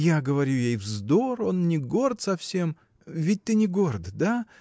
Я говорю ей, вздор: он не горд совсем — ведь ты не горд? да?